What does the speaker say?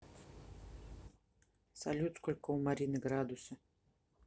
салют сколько у марины градуса